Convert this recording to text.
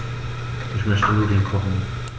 Ich möchte Nudeln kochen.